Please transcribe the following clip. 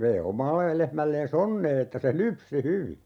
vei omalle lehmälleen onnea että se lypsi hyvin